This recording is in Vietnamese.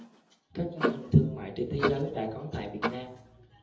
các mô hình thương mại trên thế giới đã có tại việt nam